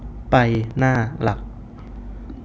ไปหน้าหลัก